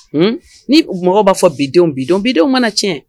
H ni u mago b'a fɔ bidon bidon bidon mana tiɲɛ